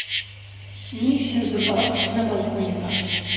Ни өчен зур балык кечкенә балыкны йота?